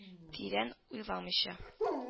Тирән уйламыйча: